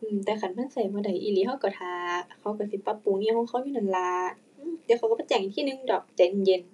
อือ แต่คันมันใช้บ่ได้อีหลีใช้ใช้ท่า เขาใช้สิปรับปรุงอิหยังของเขาอยู่นั่นล่ะ อือ เดี๋ยวเขาใช้มาแจ้งอีกทีหนึ่งดอก ใจเย็นเย็น